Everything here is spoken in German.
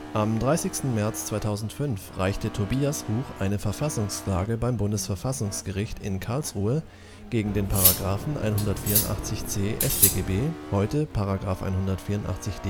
Am 30. März 2005 reichte Tobias Huch eine Verfassungsklage beim Bundesverfassungsgericht in Karlsruhe gegen den § 184c StGB (heute: § 184d